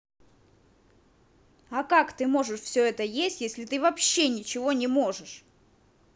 а как ты можешь все это есть если ты вообще ничего не можешь